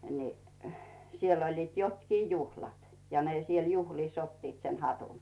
niin siellä olivat jotkin juhlat ja ne siellä juhlissa ottivat se hatun